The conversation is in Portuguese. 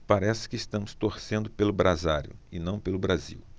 parece que estamos torcendo pelo brasário e não pelo brasil